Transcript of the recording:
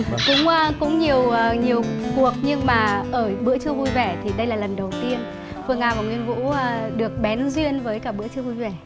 cũng a cũng nhiều à nhiều cuộc nhưng mà ở bữa trưa vui vẻ thì đây là lần đầu tiên phương nga và nguyên vũ được bén duyên với cả bữa trưa vui vẻ